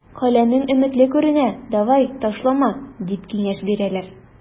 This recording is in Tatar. Каләмең өметле күренә, давай, ташлама, дип киңәш бирәләр.